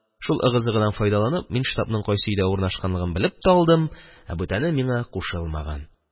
Шул ыгы-зыгыдан файдаланып, мин штабның кайсы өйдә урнашканлыгын белеп тә алдым, ә бүтәне миңа кушылмаган.